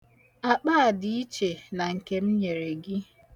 Akpa a dị iche na nke m nyere gị.